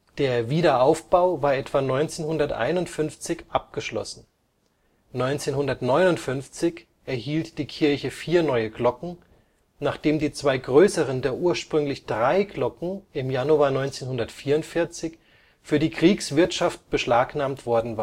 Der Wiederaufbau war etwa 1951 abgeschlossen, 1959 erhielt die Kirche vier neue Glocken, nachdem die zwei größeren der ursprünglich drei Glocken im Januar 1944 für die Kriegswirtschaft beschlagnahmt worden